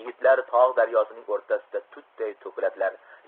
yigitlar tog' daryosining o'rtasida tutday to'kiladilar